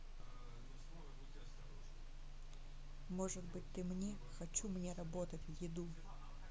может быть ты мне хочу мне работать в еду